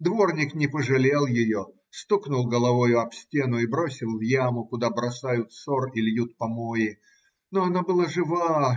Дворник не пожалел ее, стукнул головою об стену и бросил в яму, куда бросают сор и льют помои. Но она была жива.